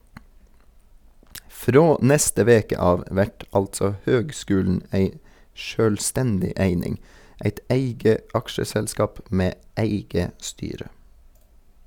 Frå neste veke av vert altså høgskulen ei sjølvstendig eining, eit eige aksjeselskap med eige styre.